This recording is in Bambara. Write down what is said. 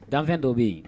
Danfɛn dɔ be ye